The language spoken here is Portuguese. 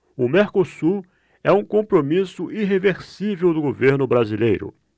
o mercosul é um compromisso irreversível do governo brasileiro